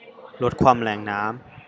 ลดความแรงน้ำ